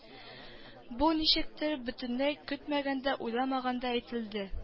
Бу ничектер бөтенләй көтмәгәндә уйламаганда әйтелде